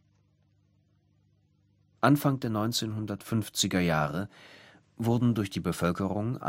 Anfang der 1950er Jahre wurden durch die Bevölkerung